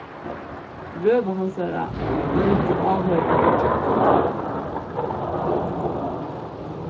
røða hansara rørdi áhoyrararnar djúpt